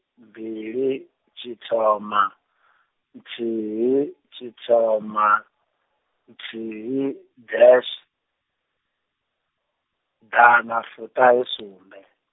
mbili, tshithoma, nthihi, tshithoma, nthihi, dash, ḓanafuṱahesumbe.